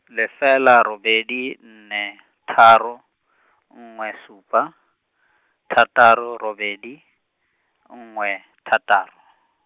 lefela robedi nne, tharo, nngwe supa, thataro robedi, nngwe, thataro.